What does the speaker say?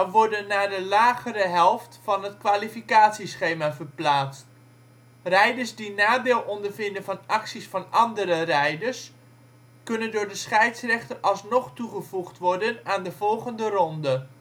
worden naar de lagere helft van het kwalificatieschema geplaatst. Rijders die nadeel ondervinden van acties van andere rijders kunnen door de scheidsrechter alsnog toegevoegd worden aan de volgende ronde